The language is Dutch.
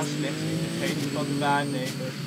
slechts in de geest van de waarnemer